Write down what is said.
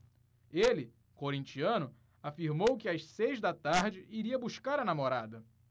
ele corintiano afirmou que às seis da tarde iria buscar a namorada